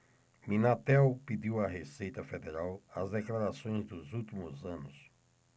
minatel pediu à receita federal as declarações dos últimos anos